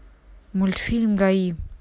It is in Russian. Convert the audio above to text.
мультфильм гаи